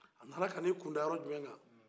a nana ka n'i kunda yɔrɔ jumɛn kan